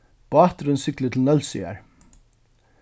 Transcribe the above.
báturin siglir til nólsoyar